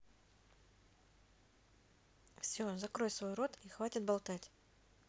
все закрой свой рот и хватит болтать